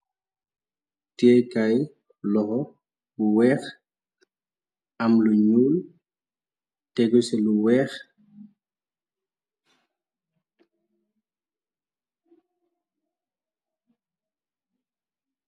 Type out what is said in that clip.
Téekaay loxo bu weex am lu ñuul tégu sé lu weex.